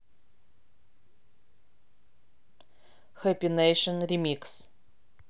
хэппи нейшн ремикс